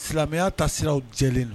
Silamɛya ta sira jɛlen don